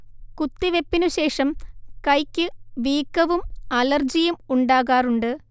കുത്തിവെപ്പിനു ശേഷം കൈക്ക് വീക്കവും അലർജിയും ഉണ്ടാകാറുണ്ട്